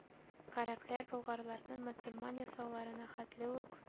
Гарәпләр болгарларны мөселман ясауларына хәтле үк,